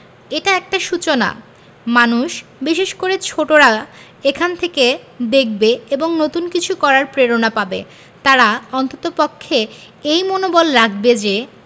এটা একটা সূচনা মানুষ বিশেষ করে ছোটরা এখান থেকে দেখবে এবং নতুন কিছু করার প্রেরণা পাবে তারা অন্ততপক্ষে এই মনোবল রাখবে যে